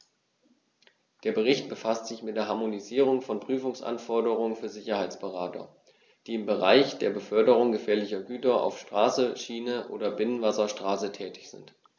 Der Bericht befasst sich mit der Harmonisierung von Prüfungsanforderungen für Sicherheitsberater, die im Bereich der Beförderung gefährlicher Güter auf Straße, Schiene oder Binnenwasserstraße tätig sind.